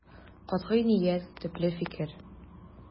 Катгый ният, төпле фикер.